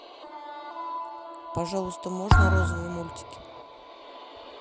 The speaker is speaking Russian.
пожалуйста можно розовые мультики